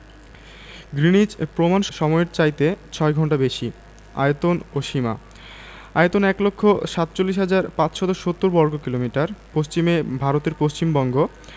Greenwich প্রমাণ সমইয়ের চাইতে ৬ ঘন্টা বেশি আয়তন ও সীমাঃ আয়তন ১লক্ষ ৪৭হাজার ৫৭০বর্গকিলোমিটার পশ্চিমে ভারতের পশ্চিমবঙ্গ